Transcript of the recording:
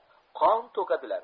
qon to'kadilar